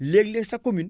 léeg-léeg sa commune